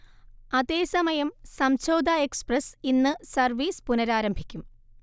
അതേസമയം സംഝോത എക്സ്പ്രസ്സ് ഇന്ന് സർവീസ് പുനരാരംഭിക്കും